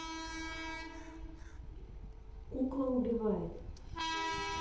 кукла убивает